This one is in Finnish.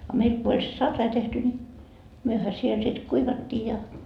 a meillä kun oli se sarai tehty niin mehän siellä sitten kuivattiin ja